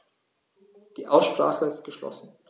Die Aussprache ist geschlossen.